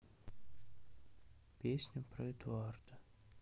песня про эдуарда